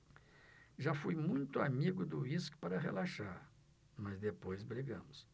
já fui muito amigo do uísque para relaxar mas depois brigamos